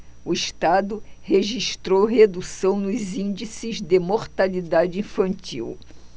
o estado registrou redução nos índices de mortalidade infantil